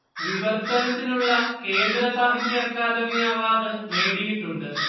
വിവർത്തനത്തിനുള്ള Kendra Sahitya Akademi award നേടിയിട്ടുണ്ട്